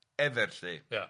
Efyr 'lly. Ia.